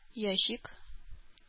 Ящик